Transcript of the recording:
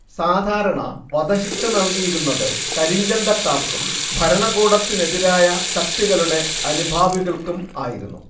സാധാരണ വധശിക്ഷ നൽകിയിരുന്നത് കരിഞ്ചന്തക്കാർക്കും ഭരണകൂടത്തിനെതിരായ ശക്തികളുടെ അനുഭാവികൾക്കും ആയിരുന്നു